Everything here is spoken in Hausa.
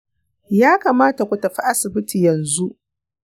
ya kamata ku tafi asibiti yanzu